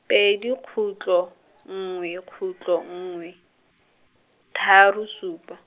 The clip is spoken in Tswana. pedi khutlo, nngwe khutlo nngwe, tharo supa.